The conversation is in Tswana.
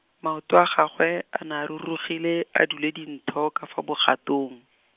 maoto a gagwe, a ne a rurugile, a dule dintho ka fa bogatong.